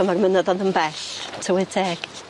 A ma'r mynyddo'dd yn bell. Tywydd teg.